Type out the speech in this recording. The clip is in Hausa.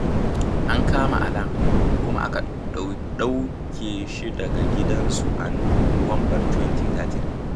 An kama Alaa kuma aka ɗauke shi daga gidansu a Nuwambar 2013.